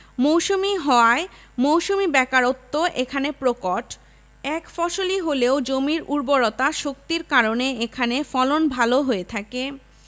মৌসুমি বেকারত্ব এখানে প্রকট এক ফসলি হলেও জমির উর্বরা শক্তির কারণে এখানে ফলন ভাল হয়ে থাকে